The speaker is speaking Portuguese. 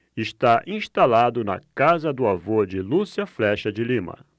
está instalado na casa do avô de lúcia flexa de lima